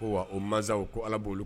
Ko o masaw ko ala b'o